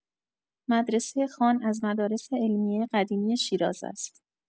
مدرسه خان از مدارس علمیه قدیمی شیراز است.